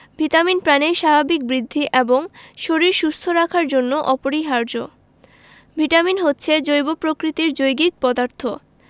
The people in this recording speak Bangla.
ভিটামিন প্রাণীর স্বাভাবিক বৃদ্ধি এবং শরীর সুস্থ রাখার জন্য অপরিহার্য ভিটামিন হচ্ছে জৈব প্রকৃতির যৌগিক পদার্থ